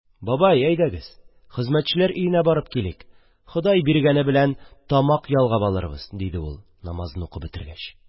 – бабай, әйдәгез, хезмәтчелөр өенә барып килик, ходай биргәне белән тамак ялгап алырбыз, – диде ул, намазын укып бетергәч.